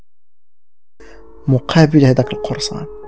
مقابله جاك القرصان